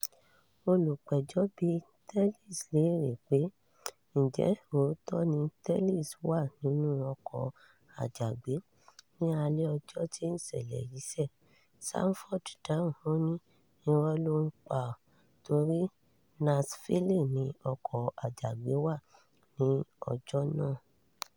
Olùpẹjọ́ bíi Tellis léèerè pé ǹjẹ́ òótọ́ ni Tellis wà nínú ọkọ̀-ajàgbé ní alẹ́ ọjọ́ tí ìṣẹlẹ̀ yí ṣẹ̀? Sanford dáhùn. Ó ní “Irọ́ ló pa a torí Nashville ni ọkọ̀-ajàgbe wà ní ọjọ́ náà.